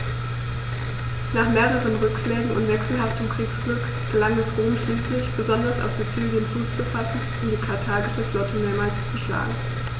Nach mehreren Rückschlägen und wechselhaftem Kriegsglück gelang es Rom schließlich, besonders auf Sizilien Fuß zu fassen und die karthagische Flotte mehrmals zu schlagen.